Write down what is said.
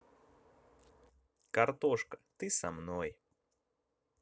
картошка ты со мной